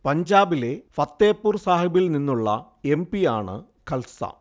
പഞ്ചാബിലെ ഫത്തേപൂർ സാഹിബിൽ നിന്നുള്ള എം. പി. യാണ് ഖൽസ